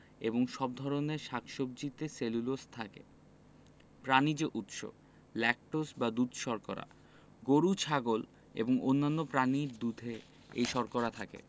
এবং সব ধরনের শাক সবজিতে সেলুলোজ থাকে প্রানিজ উৎস ল্যাকটোজ বা দুধ শর্করা গরু ছাগল এবং অন্যান্য প্রাণীর দুধে এই শর্করা থাকে